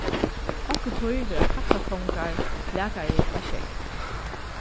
onkuntíð vera kattarkongar blakaðir á sjógv